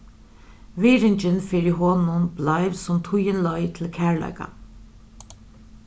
virðingin fyri honum bleiv sum tíðin leið til kærleika